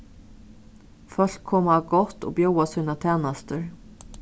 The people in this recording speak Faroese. fólk koma á gátt og bjóða sínar tænastur